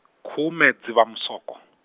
khume Dzivamusoko.